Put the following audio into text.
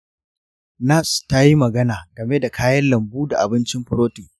nas ta yi magana game da kayan lambu da abincin furotin.